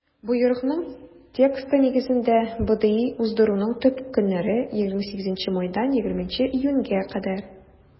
Боерыкның тексты нигезендә, БДИ уздыруның төп көннәре - 28 майдан 20 июньгә кадәр.